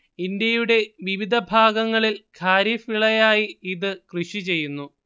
ഇന്ത്യയുടെ വിവിധ ഭാഗങ്ങളിൽ ഖാരീഫ് വിളയായി ഇത് കൃഷിചെയ്യുന്നു